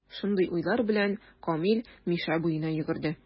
Шундый уйлар белән, Камил Мишә буена йөгерде.